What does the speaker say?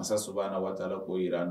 Masa saba na waati koo jira na